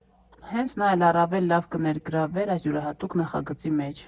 Հենց նա էլ առավել լավ կներգրավվեր այս յուրահատուկ նախագծի մեջ։